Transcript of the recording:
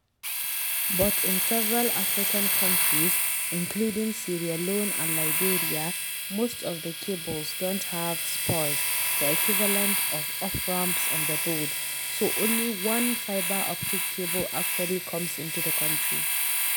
But, in several African countries — including Sierra Leone and Liberia — most of the cables don’t have spurs (the equivalent of off-ramps on the road), so only one fibre optic cable actually comes into the country.